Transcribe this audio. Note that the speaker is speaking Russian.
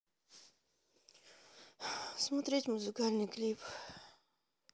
смотреть музыкальный клип